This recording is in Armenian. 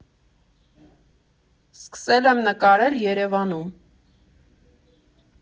Սկսել եմ նկարել Երևանում։